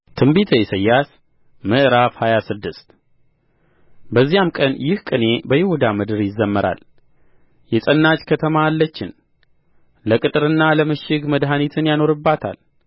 ትንቢተ ኢሳይያስ ምዕራፍ ሃያ ስድስት በዚያም ቀን ይህ ቅኔ በይሁዳ ምድር ይዘመራል የጸናች ከተማ አለችን ለቅጥርና ለምሽግ መድኃኒትን ያኖርባታል